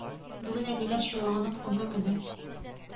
Бүген әбиләр чуагының соңгы көне